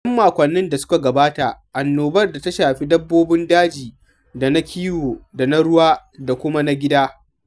A 'yan makwannin da suka gabata, annobar ta shafi dabbobin daji da na kiwo da na ruwa da kuma na gida.